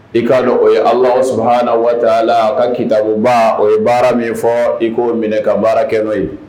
I ka dɔn o ye Ala suhana watala ka kitabuba o ye baara min fɔ, i k'o minɛn ka baara kɛ n'o ye